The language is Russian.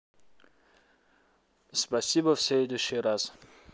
спасибо в следующий раз